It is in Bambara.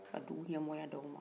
ka dugu ɲɛmɔgɔya d'aw ma